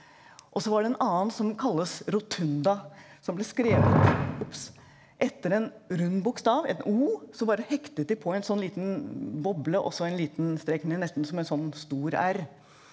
og så var det en annen som kalles rotunda som ble skrevet obs etter en rund bokstav en O så bare hektet de på en sånn liten boble og så en liten strek nesten som en sånn stor R.